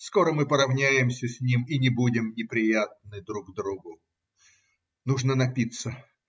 Скоро мы поравняемся с ним и не будем неприятны друг другу. Нужно напиться.